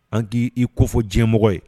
An k'i i kofɔ diɲɛmɔgɔ ye